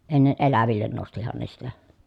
ennen eläville nostihan ne sitä